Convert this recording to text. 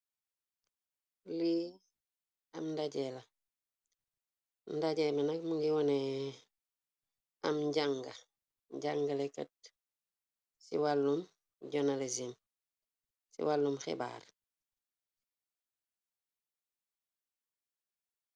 lii am ndajee la ndajee bi nak mungi wone am njànga njàngale kat ci wàllum jonalisim ci wàllum xebaar.